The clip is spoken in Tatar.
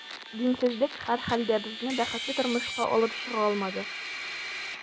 Динсезлек, һәрхәлдә, безне бәхетле тормышка алып чыга алмады.